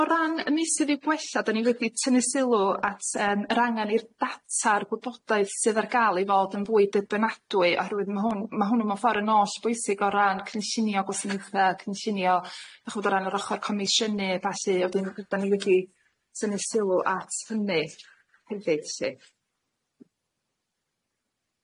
O ran y misydd i gwella da ni wedi tynnu sylw at yym yr angen i'r data'r gwybodaeth sydd ar ga'l i fod yn fwy debynadwy oherwydd ma' hwn ma' hwnnw mewn ffor yn oll bwysig o ran cynllunio gwasanaethe a cynllunio 'dach ch'mod o ran yr ochor comisiynu a ballu a wedyn da ni wedi tynnu sylw at hynny hefyd 'lly.